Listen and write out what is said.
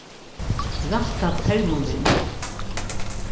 rætta permumynd